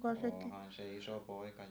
onhan se iso poika jo